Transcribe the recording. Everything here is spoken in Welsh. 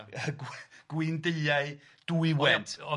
yy gwy- gwyndiau dwy wend ocê.